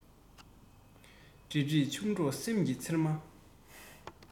འདྲིས འདྲིས ཆུང གྲོགས སེམས ཀྱི ཚེར མ